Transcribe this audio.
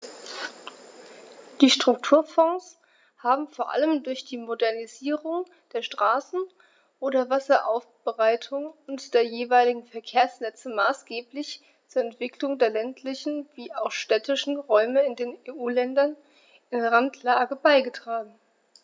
Die Strukturfonds haben vor allem durch die Modernisierung der Straßen, der Wasseraufbereitung und der jeweiligen Verkehrsnetze maßgeblich zur Entwicklung der ländlichen wie auch städtischen Räume in den EU-Ländern in Randlage beigetragen.